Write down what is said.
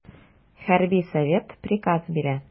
Хәрби совет приказ бирә.